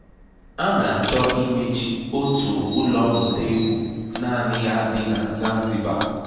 A na-achọ imechi otu ụlọ mmụta egwu naanị ya dị na Zanzibar